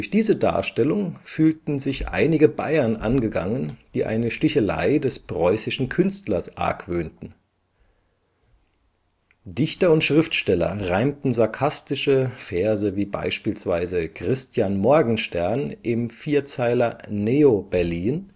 diese Darstellung fühlten sich einige Bayern angegangen, die eine Stichelei des preußischen Künstlers argwöhnten. Dichter und Schriftsteller reimten sarkastische Verse wie beispielsweise Christian Morgenstern im Vierzeiler Neo-Berlin